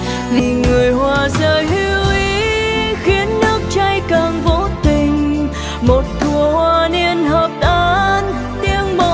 vì người hoa rơi hữu ý khiến nước chảy càng vô tình một thuở hoa niên hợp tan